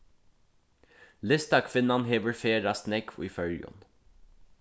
listakvinnan hevur ferðast nógv í føroyum